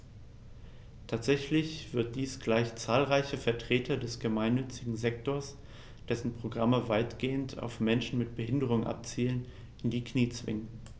Tatsächlich wird dies gleich zahlreiche Vertreter des gemeinnützigen Sektors - dessen Programme weitgehend auf Menschen mit Behinderung abzielen - in die Knie zwingen.